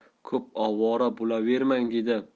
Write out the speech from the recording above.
ko'p ovora bo'lavermang